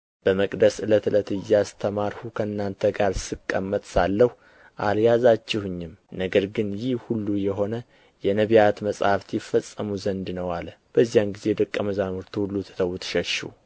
በመቅደስ ዕለት ዕለት እያስተማርሁ ከእናንተ ጋር ስቀመጥ ሳለሁ አልያዛችሁኝም ነገር ግን ይህ ሁሉ የሆነ የነቢያት መጻሕፍት ይፈጸሙ ዘንድ ነው አለ በዚያን ጊዜ ደቀ መዛሙርቱ ሁሉ ትተውት ሸሹ